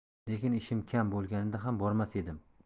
lekin ishim kam bo'lganida ham bormas edim